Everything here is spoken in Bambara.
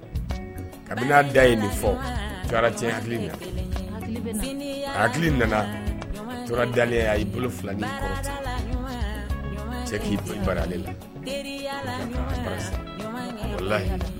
Kabini da nin fɔ hakili nana dalen bolo cɛ k'i bolo la